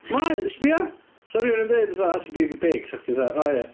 Mae! Sbia! 'Sa rhywun yn deud fatha "that's baby pig" 'sa chdi fatha "O ia".